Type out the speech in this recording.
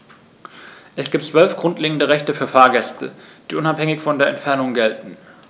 Es gibt 12 grundlegende Rechte für Fahrgäste, die unabhängig von der Entfernung gelten.